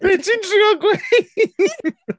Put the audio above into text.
Be ti'n trio gweud?